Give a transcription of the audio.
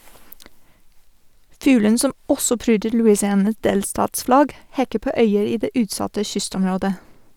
Fuglen, som også pryder Louisianas delstatsflagg, hekker på øyer i det utsatte kystområdet.